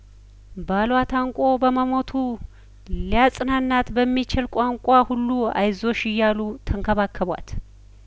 ባሏ ታንቆ በመሞቱ ሊያጽናናት በሚችል ቋንቋ ሁሉ አይዞሽ እያሉ ተንከባከቧት